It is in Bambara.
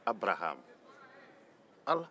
abarahamu ala